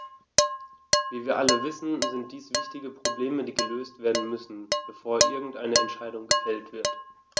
Wie wir alle wissen, sind dies wichtige Probleme, die gelöst werden müssen, bevor irgendeine Entscheidung gefällt wird.